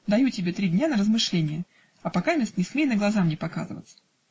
Даю тебе три дня на размышление, а покамест не смей на глаза мне показаться.